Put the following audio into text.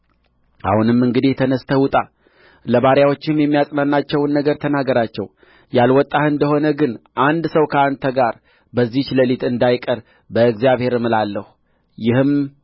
አሁን እንግዲህ ተነሥተህ ውጣ ለባሪያዎችህም የሚያጽናናቸውን ነገር ተናገራቸው ያልወጣህ እንደ ሆነ ግን አንድ ሰው ከአንተ ጋር በዚህች ሌሊት እንዳይቀር በእግዚአብሔር እምላለሁ ይህም